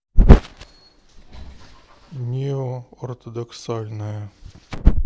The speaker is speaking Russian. нео ортодоксальная